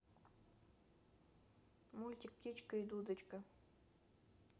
мультик птичка и дудочка